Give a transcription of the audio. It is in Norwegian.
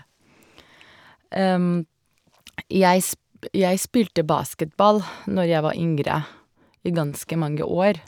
jeg sp Jeg spilte basketball når jeg var yngre i ganske mange år.